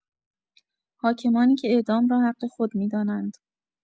حاکمانی که اعدام را حق خود می‌دانند